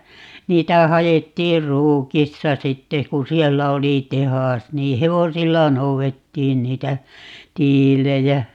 niitä haettiin Ruukista sitten kun siellä oli tehdas niin hevosilla noudettiin niitä tiiliä